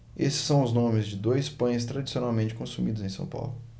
esses são os nomes de dois pães tradicionalmente consumidos em são paulo